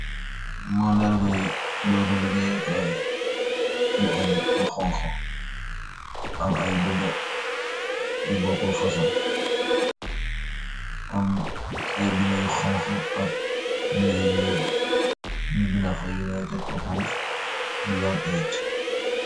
Maandarr gayee beureub bu legai kaii bu am lu honha, amm iiy binda yu borkul fason, am iiy binda yu honha ak binda yu njul, nju binda fa united purpose beyond aid.